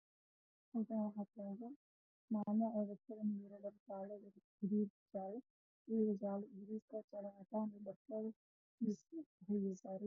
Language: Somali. halkaan wxaa ka muuqdo boor ku sawiran naag iyo wiil is xambaarsan